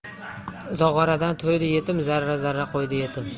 zog'oradan to'ydi yetim zarra zarra qo'ydi yetim